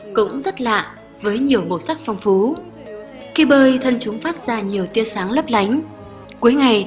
cũng rất lạ với nhiều màu sắc phong phú khi bơi thân chúng phát ra nhiều tia sáng lấp lánh cuối ngày